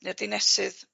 neu'r dinesydd